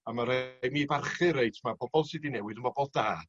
A ma' rai' i mi barchu reit ma' pobol sy 'di newid yn bobol da.